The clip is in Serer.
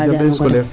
Jardin scolaire ke ?